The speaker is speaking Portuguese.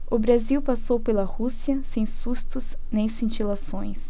o brasil passou pela rússia sem sustos nem cintilações